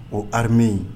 O hame